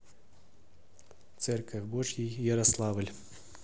церковь божьей ярославль